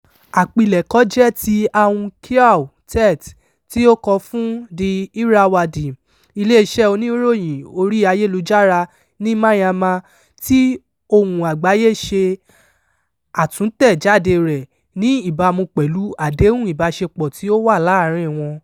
Àpilẹ̀kọ jẹ́ ti Aung Kyaw Htet tí ó kọ́ fún The Irrawaddy, iléeṣẹ́ oníròyìnin orí ayélujára ní Myanmar, tí Ohùn Àgbáyé ṣe àtúntẹ̀jádée rẹ̀ ní ìbámu pẹ̀lú àdéhùn ìbáṣepọ̀ tí ó wà láàárín wọn.